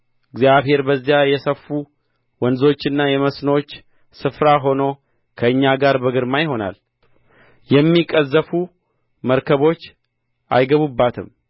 እግዚአብሔር በዚያ የሰፉ ወንዞችና የመስኖች ስፍራ ሆኖ ከእኛ ጋር በግርማ ይሆናል የሚቀዘፉ መርከቦች አይገቡባትም